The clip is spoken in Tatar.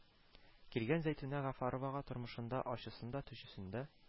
Килгән зәйтүнә гафаровага тормышында ачысын да, төчесен дә